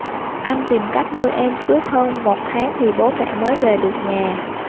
anh tìm cách nuôi em suốt hơn một tháng thì bố mẹ mới về được nhà